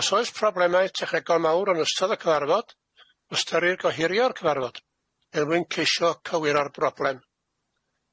Os oes problemau technegol mawr yn ystod y cyfarfod, ystyrir gohirio'r cyfarfod er mwyn ceisio cywiro'r broblem.